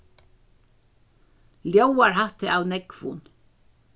ljóðar hatta av nógvum